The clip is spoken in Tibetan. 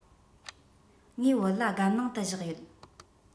ངའི བོད ལྭ སྒམ ནང དུ བཞག ཡོད